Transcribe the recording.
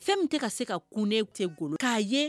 Fɛn min tɛ ka se ka kun tɛ golo k'a ye